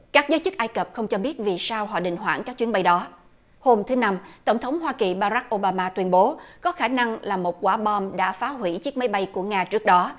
các giới chức ai cập không cho biết vì sao họ đình hoãn các chuyến bay đó hôm thứ năm tổng thống hoa kỳ ba rắc ô ba ma tuyên bố có khả năng là một quả bom đã phá hủy chiếc máy bay của nga trước đó